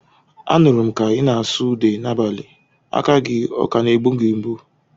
Anụrụ m ka ị na-asụ ude n'abalị. Aka gi, ọ ka na-egbu gị mgbu?